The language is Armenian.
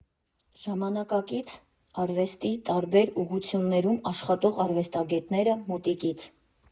Ժամանակակից արվեստի տարբեր ուղղություններում աշխատող արվեստագետները մոտիկից։